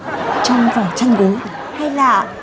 trong vỏ chăn gối hay là